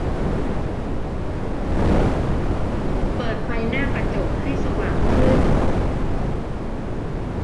เปิดไฟหน้ากระจกให้สว่างขึ้น